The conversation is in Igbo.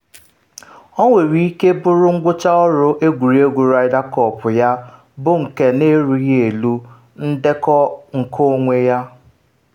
Ọ nwere ike bụrụ ngwucha ọrụ egwuregwu Ryder Cup ya bụ nke na-erughị elu ndekọ nkeonwe ya.